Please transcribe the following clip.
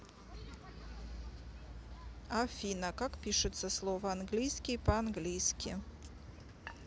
афина как пишется слово английский по английски